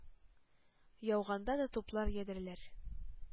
Яуганда да туплар, ядрәләр,